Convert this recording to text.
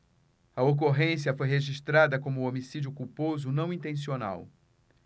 a ocorrência foi registrada como homicídio culposo não intencional